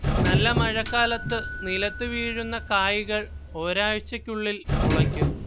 നല്ല മഴക്കാലത്തു നിലത്തുവീഴുന്ന കായ്കൾ ഒരാഴ്ചയ്ക്കുള്ളിൽ മുളയ്ക്കും